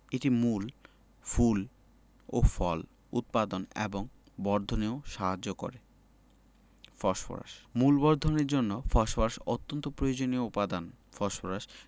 এটি মূল ফুল ও ফল উৎপাদন এবং বর্ধনেও সাহায্য করে ফসফরাস মূল বর্ধনের জন্য ফসফরাস অত্যন্ত প্রয়োজনীয় উপাদান ফসফরাস